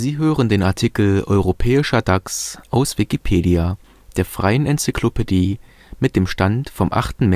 hören den Artikel Europäischer Dachs, aus Wikipedia, der freien Enzyklopädie. Mit dem Stand vom Der